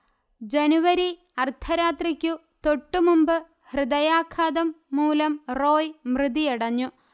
ജനുവരി അർദ്ധരാത്രിക്കു തൊട്ടുമുമ്പ് ഹൃദയാഘാതം മൂലം റോയ് മൃതിയടഞ്ഞു